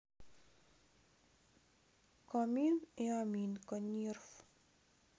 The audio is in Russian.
камиль и аминка нерф